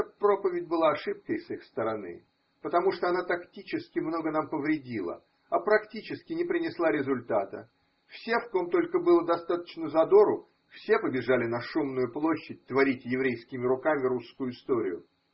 эта проповедь была ошибкой с их стороны, потому что она тактически много нам повредила, а практически не принесла результата: все, в ком только было достаточно задору, все побежали на шумную площадь творить еврейскими руками русскую историю.